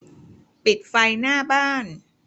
ปิดไฟหน้าบ้าน